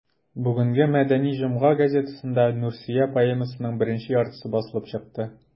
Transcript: Бүгенге «Мәдәни җомга» газетасында «Нурсөя» поэмасының беренче яртысы басылып чыкты.